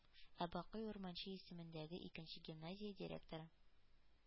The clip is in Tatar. Ә бакый урманче исемендәге икенче гимназия директоры